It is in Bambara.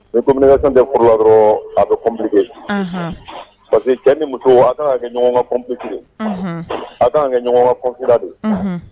Ni communication tɛ furu la dɔrɔ a bi compliquer Unhun parceque cɛ ni muso a kan ka kɛ ɲɔgɔn complice de ye . Unhun A ka kan kɛ ɲɔgɔn ka conquérant de ye.